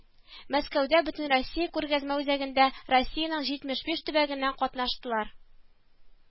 Мәскәүдә Бөтенроссия күргәзмә үзәгендә Россиянең җитмеш биш төбәгеннән катнаштылар